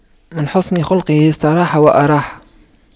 من حسن خُلُقُه استراح وأراح